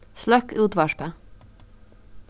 sløkk útvarpið